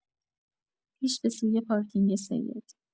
پیش به سوی پارکینگ سید